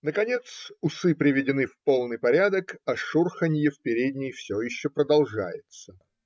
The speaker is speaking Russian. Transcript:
Наконец усы приведены в полный порядок, а шурханье в передней все еще продолжается.